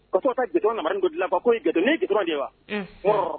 Ko ka jate ma kojugu ko i ni dɔrɔn ye wa